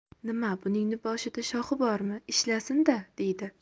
nima buningni boshida shoxi bormi ishlasin da deydi